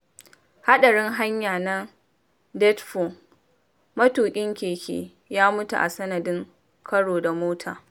Haɗarin hanya na Deptford : Matukin keke ya mutu a sanadin karo da mota